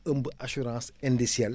ëmb assurance indicelle